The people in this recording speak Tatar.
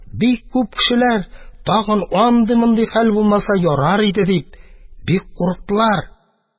Бик күп кешеләр, тагын андый-мондый хәл булмаса ярар иде, дип, бик курыктылар.